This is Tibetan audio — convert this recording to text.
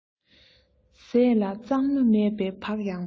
ཟས ལ གཙང སྨེ མེད པའི བག ཡངས པོ